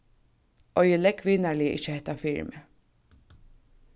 oyðilegg vinarliga ikki hetta fyri meg